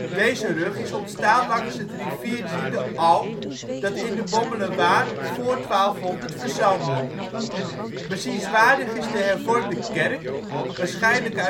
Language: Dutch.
Deze rug is ontstaan langs het riviertje de Alm, dat in de Bommelerwaard voor 1200 verzandde. Bezienswaardig is de hervormde kerk (waarschijnlijk